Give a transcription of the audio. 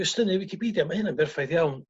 cwestynnu Wicipidia ma' hyna'n berffaith iawn